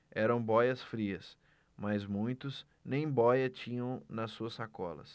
eram bóias-frias mas muitos nem bóia tinham nas suas sacolas